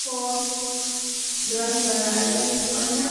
På Gran Canaria i Spania.